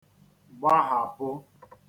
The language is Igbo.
gbahàpụ